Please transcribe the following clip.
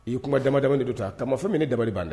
I yei kun ka damajamani don to a tama ma fɔ min ne dabali b' da